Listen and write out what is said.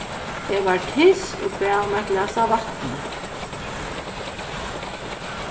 eg var tyst og bað um eitt glas av vatni